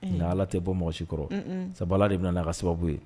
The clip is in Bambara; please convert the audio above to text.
Nka ala tɛ bɔ mɔgɔ si kɔrɔ saba de bɛna'a ka sababu ye